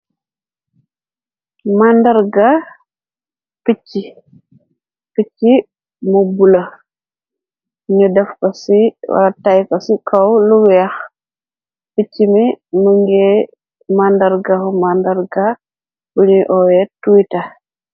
màndarga picci mu bula ñu deffa ci wara tayka ci kaw luweex picc mi mu ngiy màndargahu màndarga bunuy owe tuita